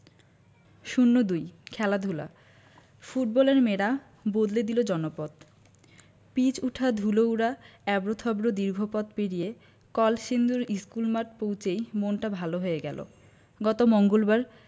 ০২ খেলাধুলা ফুটবলের মেয়েরা বদলে দিল জনপদ পিচ উঠা ধুলো উড়া এবড়োথেবড়ো দীর্ঘ পথ পেরিয়ে কলসিন্দুর স্কুলমাঠ পৌঁছেই মনটা ভালো হয়ে গেল গত মঙ্গলবার